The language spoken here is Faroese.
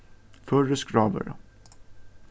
føroysk rávøra